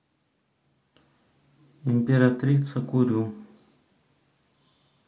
императрица курю